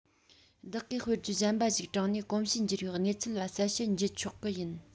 བདག གིས དཔེར བརྗོད གཞན པ ཞིག དྲངས ནས གོམས གཤིས འགྱུར བའི གནས ཚུལ ལ གསལ བཤད བགྱི ཆོག གི ཡིན